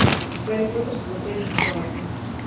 гарри поттер смотреть бесплатно